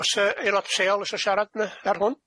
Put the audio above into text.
Os e aelod lleol isio siarad ar hwn?